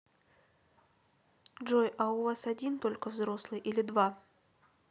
джой а у вас один только взрослый или два